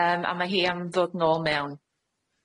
Yym a ma' hi am ddod nôl mewn.